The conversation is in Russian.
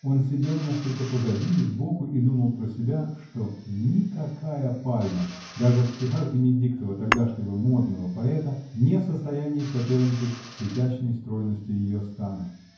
Он сидел несколько позади и сбоку и думал про себя, что никакая пальма -- даже в стихах Бенедиктова, тогдашнего модного поэта, -- не в состоянии соперничать с изящной стройностью ее стана.